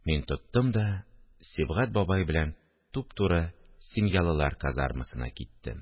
Мин тоттым да Сибгать бабай белән туп-туры семьялылар казармасына киттем